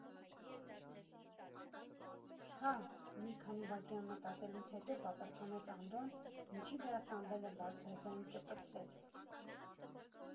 ֊ Հա, ֊ մի քանի վարկյան մտածելուց հետո պատասխանեց Անդոն, ինչի վրա Սամվելը բարձրաձայն ճպցրեց։